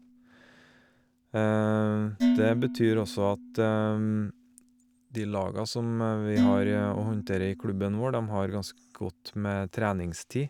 Det betyr også at de laga som vi har og håndterer i klubben vår, dem har ganske godt med treningstid.